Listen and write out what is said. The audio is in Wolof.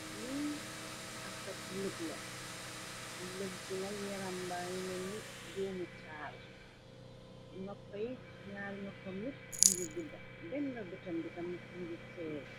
lu akab lëg la lëg gina yerambaan meni duumi taaw noppay ñaal noppa ñuf ngu gudda benn la bëtambitam mujub feer